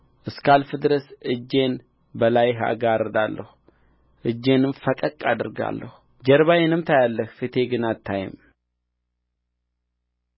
እስካልፍ ድረስ እጄን በላይህ እጋርዳለሁ እጄንም ፈቀቅ አደርጋለሁ ጀርባዬንም ታያለህ ፊቴ ግን አይታይም